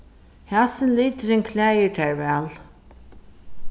hasin liturin klæðir tær væl